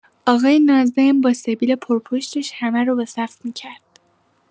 آقای ناظم با سبیل پرپشتش همه رو به صف می‌کرد.